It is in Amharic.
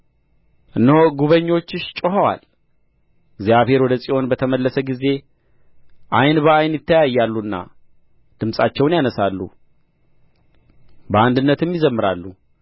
እነሆ ጕበኞችሽ ጮኸዋል እግዚአብሔር ወደ ጽዮን በተመለሰ ጊዜ ዓይን በዓይን ይተያያሉና ድምፃቸውን ያነሣሉ በአንድነትም ይዘምራሉ